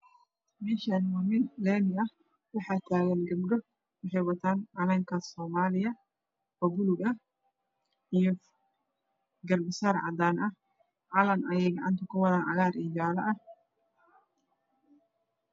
Meeshani waa meel laami ah waxaa tagan gabdho waxay wataan calanka soomaliya oo buluug ah iyo garba saar cadaan ah calan ayay gacanta ku wadaan cagaar iyo jaalo ah